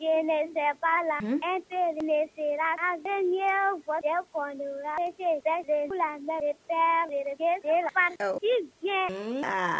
Zsɛ' se se ɲɛ fo nk wa se tile se m se'' diɲɛ